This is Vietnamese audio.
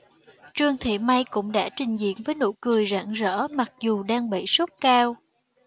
trương thị may cũng đã trình diễn với nụ cười rạng rỡ mặc dù đang bị sốt cao